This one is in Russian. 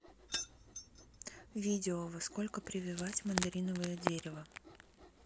видео во сколько прививать мандариновое дерево